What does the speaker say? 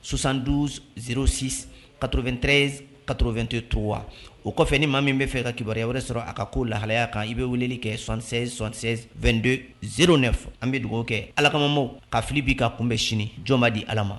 Sonsand ssi katoro2tterey katoro2t to wa o kɔfɛ ni maa min bɛ fɛ ka kibaruya wɛrɛ sɔrɔ a ka ko lahalaya kan i bɛ wele kɛ s sɔ72do zo de fɔ an bɛ dugawu kɛ alakma ka fili' ka kunbɛn sini joma di ala ma